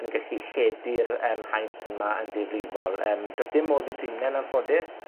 yn gellu lledu'r yym haint yma yn ddifrifol. Yym do's dim modd i drin e yn anffodus.